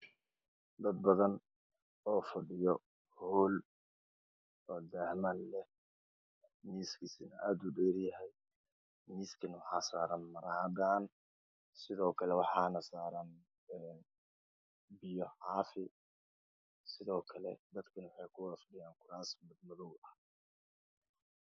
Dad badan oo fadhiyo hool oo daahmaan leh miiskiisuna uu aad udheeryahay miiskana waxaa saaran maro hagaan sidoo kale waxaa saaran biyo caafi sido kale dadka waxay ku fadhiyaan kuraas madow ah